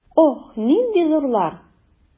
Ох, нинди зурлар!